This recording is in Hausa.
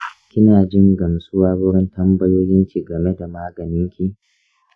kina jin gamsuwa wurin tambayoyinki game da maganinki?